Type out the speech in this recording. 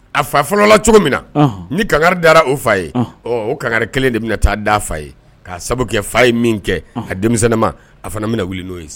A fa fɔlɔla cogo min na ni kan dara o fa ye o kelen de bɛna taa' fa ye k'a sabu kɛ fa ye min kɛ a denmisɛnma a fana bɛna wuli n'o ye